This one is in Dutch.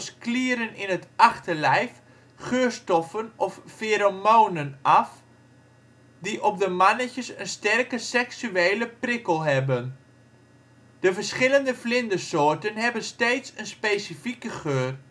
klieren in het achterlijf geurstoffen of feromonen af die op de mannetjes een sterke seksuele prikkel hebben. De verschillende vlindersoorten hebben steeds een specifieke geur